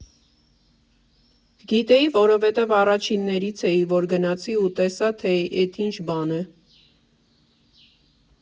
Գիտեի, որովհետև առաջիններից էի, որ գնացի ու տեսա թե էդ ինչ բան է։